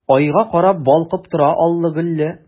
Айга карап балкып тора аллы-гөлле!